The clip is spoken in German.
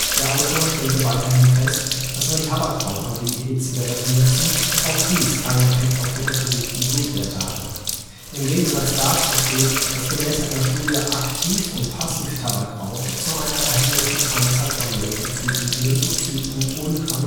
Der Autor stellte weiterhin fest, dass wenn Tabakraucher die E-Zigarette nutzen, auch dies keinen Effekt auf die untersuchten Blutwerte hatte. Im Gegensatz dazu steht, dass gem. Studie Aktiv - und Passivtabakrauch zu einer erhöhten Anzahl von Leukozyten, Lymphozyten und Granulozyten führt